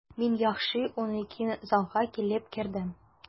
Мин яхшы ук киң залга килеп кердем.